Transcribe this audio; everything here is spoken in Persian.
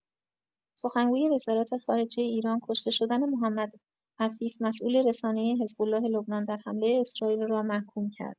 سخنگوی وزارت‌خارجه ایران، کشته شدن محمد عفیف، مسئول رسانه‌ای حزب‌الله لبنان در حمله اسرائیل را محکوم کرد.